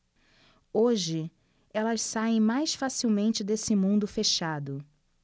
hoje elas saem mais facilmente desse mundo fechado